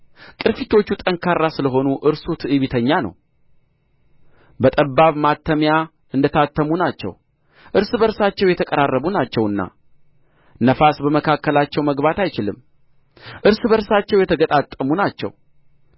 ቅርፊቶቹ ጠንካራ ስለ ሆኑ እርሱ ትዕቢተኛ ነው በጠባብ ማተሚያ እንደ ታተሙ ናቸው እርስ በርሳቸው የተቀራረቡ ናቸውና ነፋስ በመካከላቸው መግባት አይችልም እርስ በርሳቸው የተገጣጠሙ ናቸው